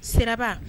Siraba